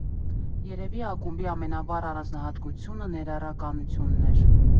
Երևի ակումբի ամենավառ առանձնահատկությունը ներառականությունն էր։